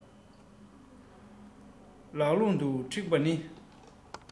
ལང ལོང དུ འཁྲིགས པ ནི